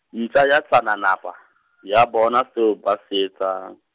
ntja ya Tsananapa , ya bona seo ba se etsang.